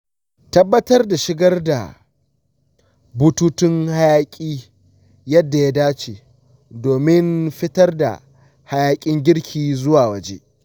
tabbatar da shigar da bututun hayaƙi yadda ya dace domin fitar da hayaƙin girki zuwa waje.